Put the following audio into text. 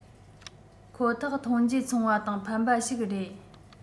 ཁོ ཐག ཐོན འབྱེད ཚོང པ དང ཕན པ ཞིག རེད